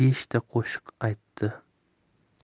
beshta qo'shiq aytdi